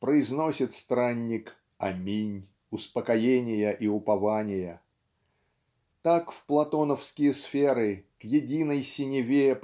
произносит странник "аминь" успокоения и упования. Так в платоновские сферы к единой синеве